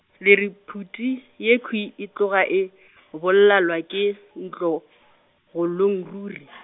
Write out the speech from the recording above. le re phuti yekhwi e tloga e, bolalwa- ke, ntsoholong- ruri.